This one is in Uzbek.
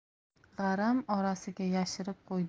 g'aram orasiga yashirib qo'ydim